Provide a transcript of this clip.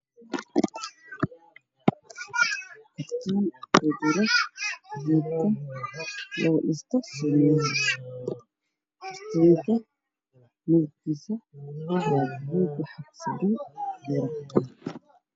Nin sawiran kartoon wuxuu wataa sheekh blue iyo sugan madow jaamcad waa ka dambeeya